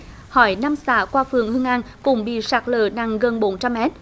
hỏi năm xã qua phường hưng an cũng bị sạt lở nặng gần bốn trăm mét